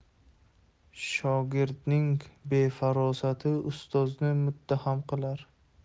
shogirdning befarosati ustozni muttaham qilar